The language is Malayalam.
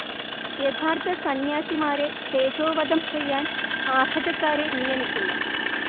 യഥാർത്ഥ സന്യാസിമാരെ തേജോവധം ചെയ്യാൻ ആഖജക്കാരെ നിയമിക്കുന്നു